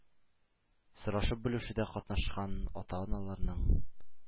Сорашып-белешүдә катнашкан ата-аналарның